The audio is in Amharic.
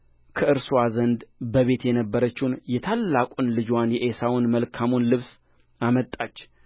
ከእርስዋ ዘንድ በቤት የነበረችውን የታላቁን ልጅዋን የዔሳውን መልካሙን ልብስ አመጣች